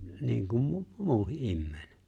niin kuin - muukin ihminen